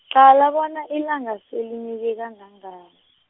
qala bona ilanga selenyuke kangangani.